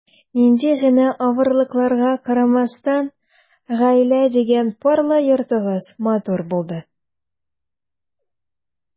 Нинди генә авырлыкларга карамастан, “гаилә” дигән парлы йортыгыз матур булды.